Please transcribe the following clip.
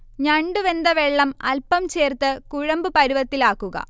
ഞണ്ട് വെന്ത വെള്ളം അൽപം ചേർത്ത് കുഴമ്പ് പരുവത്തിലാക്കുക